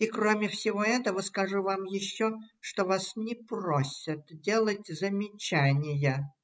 И кроме всего этого, скажу вам еще, что вас не просят делать замечания.